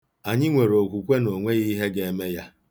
Anyị nwere okwukwe na onweghị ihe ga-eme ya.